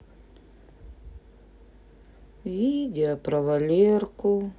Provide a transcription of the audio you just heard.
видео про валерку